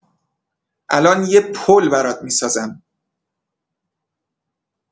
الان یه پل برات می‌سازم.